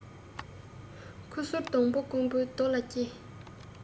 ཁ སུར སྡོང པོ སྐམ པོའི རྡོ ལ སྐྱེས